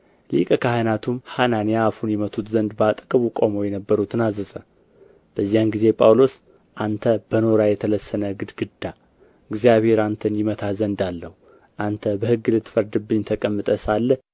ሊቀ ካህናቱም ሐናንያ አፉን ይመቱት ዘንድ በአጠገቡ ቆመው የነበሩትን አዘዘ በዚያን ጊዜ ጳውሎስ አንተ በኖራ የተለሰነ ግድግዳ እግዚአብሔር አንተን ይመታ ዘንድ አለው አንተ በሕግ ልትፈርድብኝ ተቀምጠህ ሳለህ